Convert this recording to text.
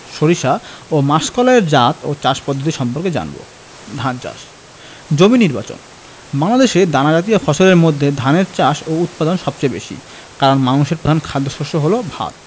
সরিষা ও মাসকলাই এর জাত ও চাষ পদ্ধতি সম্পর্কে জানব ধান চাষ জমি নির্বাচনঃ বাংলাদেশে দানাজাতীয় ফসলের মধ্যে ধানের চাষ ও উৎপাদন সবচেয়ে বেশি কারন মানুষের প্রধান খাদ্যশস্য হলো ভাত